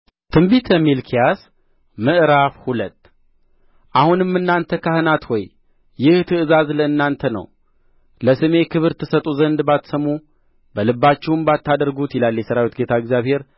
ትንቢተ ሚልክያ ምዕራፍ ሁለት አሁንም እናንተ ካህናት ሆይ ይህ ትእዛዝ ለእናንተ ነው ለስሜ ክብር ትሰጡ ዘንድ ባትሰሙ በልባችሁም ባታደርጉት ይላል የሠራዊት ጌታ እግዚአብሔር